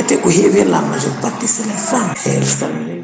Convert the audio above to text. ete ko hewi hen la majeur partie c' est les femmes